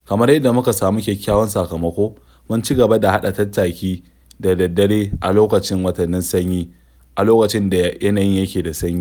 Kamar yadda muka samu kyakkyawan sakamako, mun cigaba da haɗa tattaki da daddare a lokacin watannin sanyi, a lokacin da yanayi yake da sanyi.